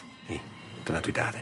Ie dyna dwi da de.